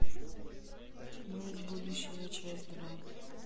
мы из будущего часть два